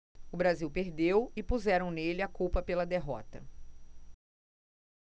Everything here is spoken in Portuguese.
o brasil perdeu e puseram nele a culpa pela derrota